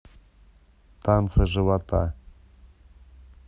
танцы живота